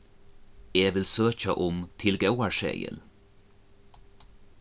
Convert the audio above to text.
eg vil søkja um tilgóðarseðil